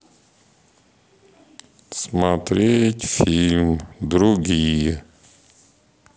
смотреть фильм другие